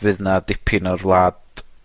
fydd 'na dipyn o'r wlad